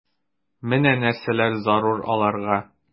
Менә нәрсәләр зарур аларга...